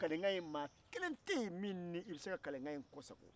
kalekan in maa kelen tɛ yen min n'i be se ka kaleken in kɔ sagon